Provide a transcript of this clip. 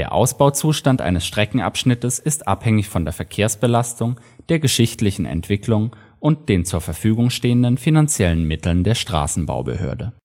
Ausbauzustand eines Streckenabschnittes ist abhängig von der Verkehrsbelastung, der geschichtlichen Entwicklung und den zur Verfügung stehenden finanziellen Mitteln der Straßenbaubehörde